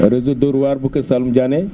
réseau Dóor waar bu kër saalum Diané